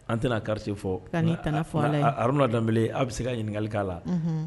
An tɛna karisa fɔ n'runa danb aw bɛ se ka ɲininkali'a la